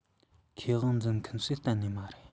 ཁེ དབང འཛིན མཁན ཞིག གཏན ནས མ རེད